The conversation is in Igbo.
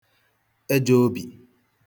ejọ obi